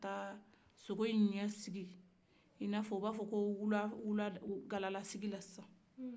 ka taa sogo ɲɛsigi i bɛ a fɔ u bɛ a fɔ ko wula galasigila